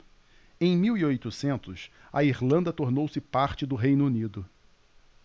em mil e oitocentos a irlanda tornou-se parte do reino unido